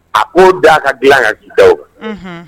A'o da a ka dilan ka ji da